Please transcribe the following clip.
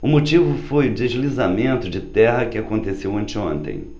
o motivo foi o deslizamento de terra que aconteceu anteontem